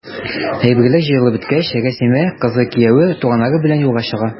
Әйберләр җыелып беткәч, Рәсимә, кызы, кияве, туганнары белән юлга чыга.